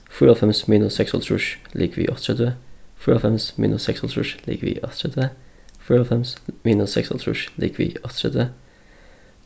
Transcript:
fýraoghálvfems minus seksoghálvtrýss ligvið áttaogtretivu fýraoghálvfems minus seksoghálvtrýss ligvið áttaogtretivu fýraoghálvfems minus seksoghálvtrýss ligvið áttaogtretivu